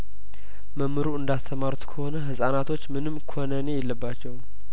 መምሩ እንዳስ ተማሩት ከሆነ ህጻናቶችምንም ኩነኔ የለባቸውም